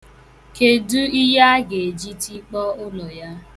Kedụ ihe a ga-eji tikpọ ụlọ ya?